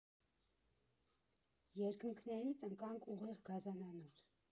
Երկնքներից ընկանք ուղիղ գազանանոց։